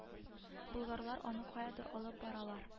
Болгарлар аны каядыр алып баралар